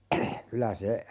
kyllä se